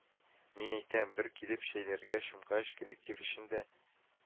Мин әйтәм, бер килеп чәйләргә чумгач, коллектив өчен дә